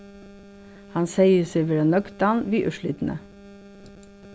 hann segði seg vera nøgdan við úrslitini